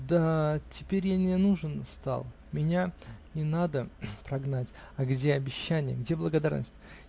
-- Да, теперь я не нужен стал, меня и надо прогнать; а где обещания? где благодарность?